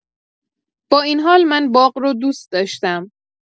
بااین‌حال، من باغ رو دوست داشتم.